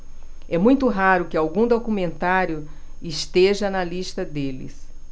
é muito raro que algum documentário esteja na lista deles